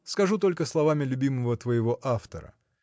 скажу только словами любимого твоего автора